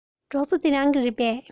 སྒྲོག རྩེ འདི རང གི རེད པས